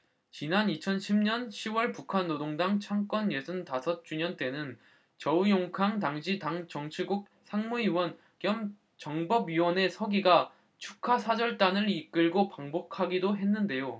지난 이천 십 년 시 월 북한 노동당 창건 예순 다섯 주년 때는 저우융캉 당시 당 정치국 상무위원 겸 정법위원회 서기가 축하사절단을 이끌고 방북하기도 했는데요